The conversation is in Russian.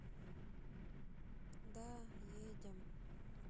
да едем